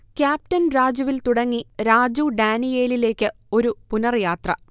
captain രാജുവിൽ തുടങ്ങി രാജു ഡാനിയേലിലേക്ക് ഒരു പുനർയാത്ര